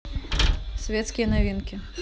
светские новинки